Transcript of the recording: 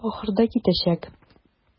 Ахырда китәчәк.